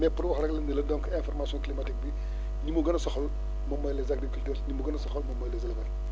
mais pour wax rek ni la donc information climatique bi ñi mu gën a soxal moom mooy les agriculteurs ñi mu gën a soxal moom mooy les éleveurs